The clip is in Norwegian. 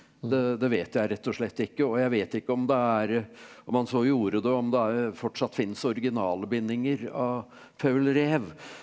det det vet jeg rett og slett ikke og jeg vet ikke om det er om han så gjorde det om det fortsatt fins originalbindinger av Paul Rev.